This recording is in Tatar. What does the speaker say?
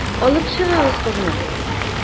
Алып чыгыгыз кызны.